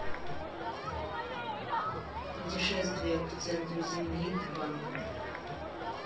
путешествие к центру земли два